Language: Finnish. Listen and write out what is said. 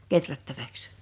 kehrättäväksi